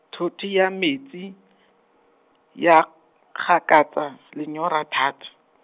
thothi ya metsi, ya, gakatsa, lenyora thata.